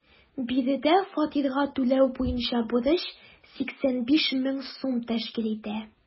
Биредә фатирга түләү буенча бурыч 85 мең сум тәшкил итә.